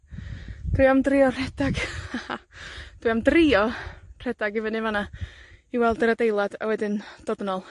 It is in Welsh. dwi am drio rhedag. Dwi am drio, rhedag i fyny fan 'na. I weld yr adeilad, a wedyn, dod yn ôl.